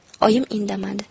oyim indamadi